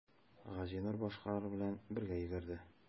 Газинур башкалар белән бергә йөгерде.